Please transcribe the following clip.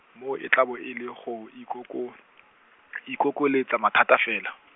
mo e tla bo e le go ikoko, ikokoletsa mathata fela.